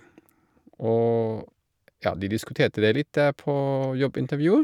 Og, ja, de diskuterte det litt der på jobbintervjuet.